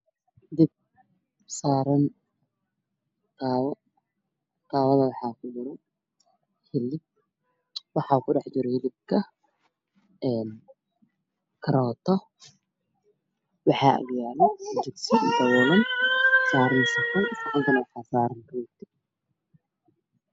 Ii muuqda birtaabo ay ku jiraan hilib iyo karooto waxaana eg yaalo digsi ebar ah oo dusha kasaaran roti